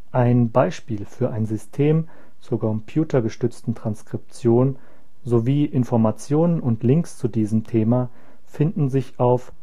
Ein Beispiel für ein System zur computergestützten Transkription sowie weitere Informationen und Links zu diesem Thema finden sich auf